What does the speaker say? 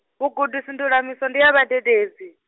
vhugudisindulamiso ndi ha vhadededzi.